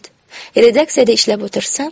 redaksiyada ishlab o'tirsam